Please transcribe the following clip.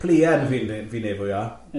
Plued fi'n wneud, fi'n wneud fwyaf.